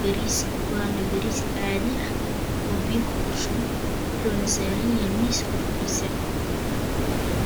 bariis waa bariis caadi ah oo biyo ku kor shubaan waxuna saran yahay miis kor kiisa